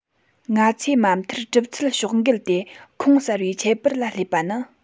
ང ཚོས མ མཐར གྲུབ ཚུལ ཕྱོགས འགལ དེ ཁོངས གསར པའི ཁྱད པར ལ སླེབས པ ནི